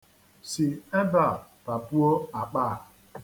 Si ebe a tapuo akpa a.